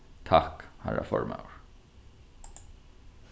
takk harra formaður